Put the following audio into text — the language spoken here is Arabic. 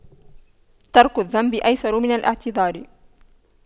ترك الذنب أيسر من الاعتذار